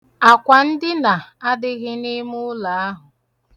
Akwa ndina adịghị n'imụlọ ahụ.